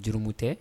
Jurumu tɛ